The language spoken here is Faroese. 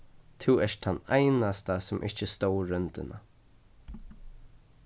tú ert tann einasta sum ikki stóð royndina